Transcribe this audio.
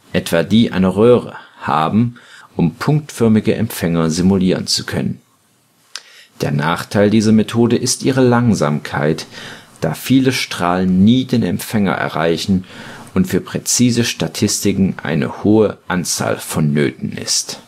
etwa die einer Röhre – haben, um punktförmige Empfänger simulieren zu können. Der Nachteil dieser Methode ist ihre Langsamkeit, da viele Strahlen nie den Empfänger erreichen und für präzise Statistiken eine hohe Anzahl vonnöten ist